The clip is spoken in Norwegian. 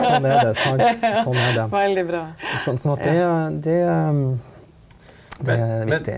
sånn er det sant sånn er det sånn sånn at det det det er viktig.